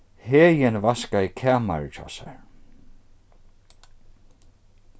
heðin vaskaði kamarið hjá sær